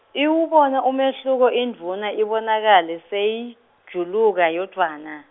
iwubone umehluko indvuna ibonakale, seyijuluka yodvwana.